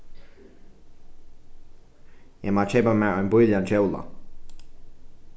eg má keypa mær ein bíligan kjóla